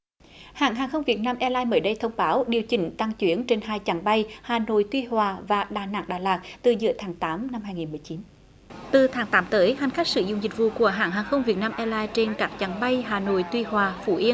hãng hàng không việt nam e lai mới đây thông báo điều chỉnh tăng chuyến trên hai chặng bay hà nội tuy hòa và đà nẵng đà lạt từ giữa tháng tám năm hai nghìn mười chín từ tháng tám tới hành khách sử dụng dịch vụ của hãng hàng không việt nam e lai trên các chặng bay hà nội tuy hòa phú yên